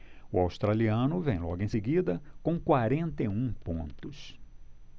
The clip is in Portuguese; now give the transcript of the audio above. o australiano vem logo em seguida com quarenta e um pontos